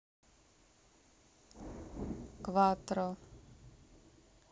кватро